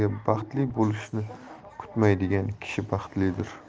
ertaga baxtli bo'lishini kutmaydigan kishi baxtlidir